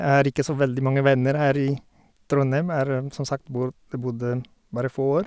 Jeg har ikke så veldig mange venner her i Trondheim, har som sagt, bor bodd bare få år.